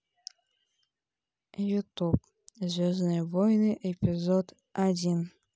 ютуб звездные войны эпизод один